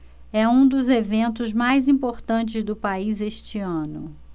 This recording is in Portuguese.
é um dos eventos mais importantes do país este ano